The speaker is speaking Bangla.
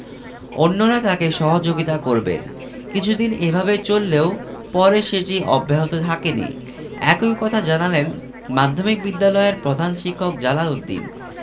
অন্যরা তাঁকে সহযোগিতা করবেন কিছুদিন এভাবে চললেও পরে সেটি অব্যাহত থাকেনি একই কথা জানালেন মাধ্যমিক বিদ্যালয়ের প্রধান শিক্ষক জালাল উদ্দিন